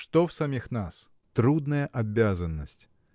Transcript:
что в самих нас – трудная обязанность!